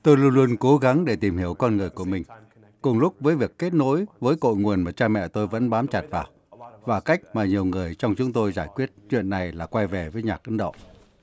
tôi luôn luôn cố gắng để tìm hiểu con người của mình cùng lúc với việc kết nối với cội nguồn mà cha mẹ tôi vẫn bám chặt vào và cách mà nhiều người trong chúng tôi giải quyết chuyện này là quay về với nhạc ấn độ